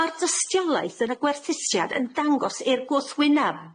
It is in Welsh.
Ma'r dystiolaeth yn y gwerthusiad yn dangos i'r gwrthwyneb.